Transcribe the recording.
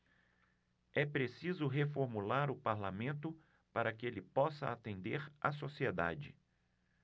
é preciso reformular o parlamento para que ele possa atender a sociedade